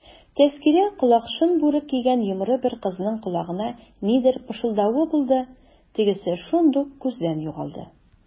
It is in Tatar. Тәзкирә колакчын бүрек кигән йомры бер кызның колагына нидер пышылдавы булды, тегесе шундук күздән югалды.